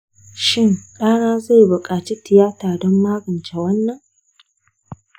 shin ɗana zai buƙaci tiyata don magance wannan?